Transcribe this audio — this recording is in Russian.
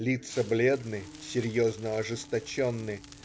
Лица бледны, серьезно-ожесточенны.